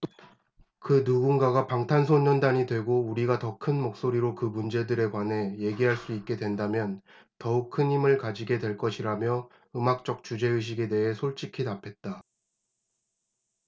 그 누군가가 방탄소년단이 되고 우리가 더 큰 목소리로 그 문제들에 관해 얘기할 수 있게 된다면 더욱 큰 힘을 가지게 될 것이라며 음악적 주제의식에 대해 솔직히 답했다